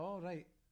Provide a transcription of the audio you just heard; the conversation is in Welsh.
O reit.